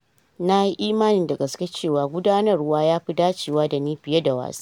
"Na yi imani da gaske cewa gudanarwa ya fi dacewa da ni, fiye da wasa.